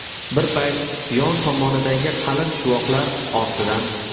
bir payt yon tomondagi qalin shuvoqlar ortidan